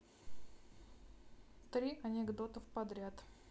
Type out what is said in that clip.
три анекдотов подряд